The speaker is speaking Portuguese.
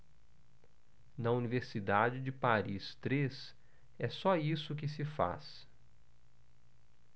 na universidade de paris três é só isso que se faz